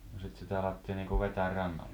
no sitten sitä alettiin niin kuin vetää rannalle